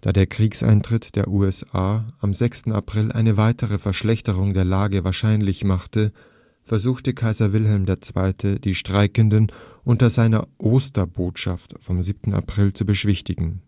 Da der Kriegseintritt der USA am 6. April eine weitere Verschlechterung der Lage wahrscheinlich machte, versuchte Kaiser Wilhelm II., die Streikenden mit seiner Osterbotschaft vom 7. April zu beschwichtigen: